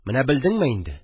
Менә белдеңме инде